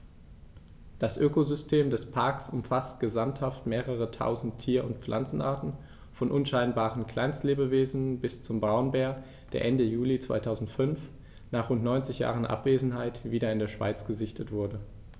Das Ökosystem des Parks umfasst gesamthaft mehrere tausend Tier- und Pflanzenarten, von unscheinbaren Kleinstlebewesen bis zum Braunbär, der Ende Juli 2005, nach rund 90 Jahren Abwesenheit, wieder in der Schweiz gesichtet wurde.